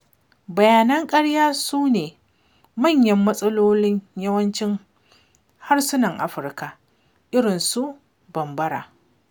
Bayanan ƙarya su ne manyan matsalolin yawancin harsunan Afirka irin su Bambara.